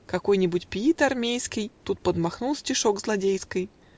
Какой-нибудь пиит армейский Тут подмахнул стишок злодейский.